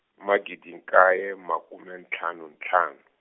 magidi nkaye makume ntlhanu ntlhanu.